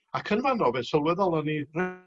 ac yn fanno fe sylweddolon ni